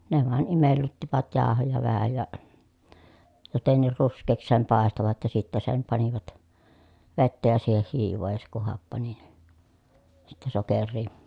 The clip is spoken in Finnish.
ne vain imellyttivät jauhoja vähän ja jotenkin ruskeaksi sen paistoivat ja sitten sen panivat vettä ja siihen hiivaa ja se kun happani niin sitten sokeria